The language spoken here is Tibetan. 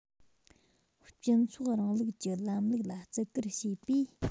སྤྱི ཚོགས རིང ལུགས ཀྱི ལམ ལུགས ལ བརྩི བཀུར བྱས པས